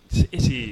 E